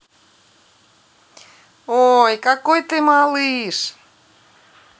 ой какой ты малыш